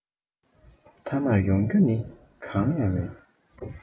མཐའ མར ཡོང རྒྱུ ནི གང ཡང མེད